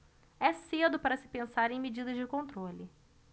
é cedo para se pensar em medidas de controle